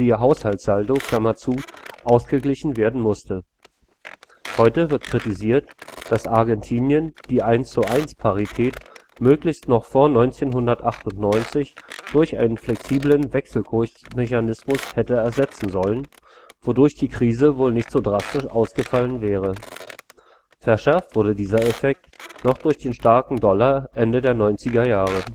Haushaltssaldo) ausgeglichen werden musste. Heute wird kritisiert, dass Argentinien die 1:1-Parität möglichst noch vor 1998 durch einen flexiblen Wechselkursmechanismus hätte ersetzen sollen, wodurch die Krise wohl nicht so drastisch ausgefallen wäre. Verschärft wurde dieser Effekt noch durch den starken Dollar Ende der 90er Jahre